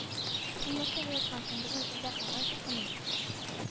— син нәрсәгә язгансың! безнең илдә кәгазь юкмыни? —